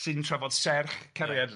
...sy'n trafod serch cariad... Ia.